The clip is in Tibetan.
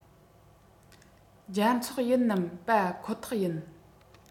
རྒྱལ ཚོགས ཡིན ནམ པ ཁོ ཐག ཡིན